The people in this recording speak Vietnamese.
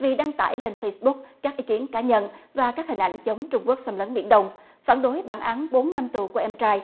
vì đăng tải lên phây búc các ý kiến cá nhân và các hình ảnh chống trung quốc xâm lấn biển đông phản đối bản án bốn năm tù của em trai